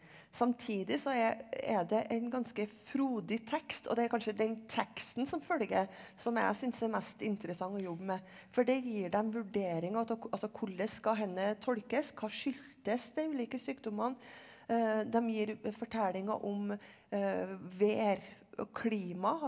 samtidig så er er det en ganske frodig tekst og det er kanskje den teksten som følger som jeg synes er mest interessant å jobbe med for det gir dem vurderinger av altså hvordan skal dette tolkes, hva skyldtes de ulike sykdommene dem gir fortellinger om, vær og klima.